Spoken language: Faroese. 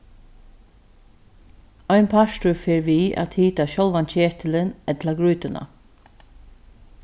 ein partur fer við at hita sjálvan ketilin ella grýtuna